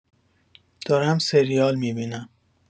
دارم سریال می‌بینم.